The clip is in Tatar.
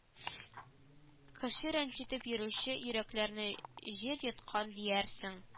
Кеше рәнҗетеп йөрүче йөрәкләрне җир йоткан диярсең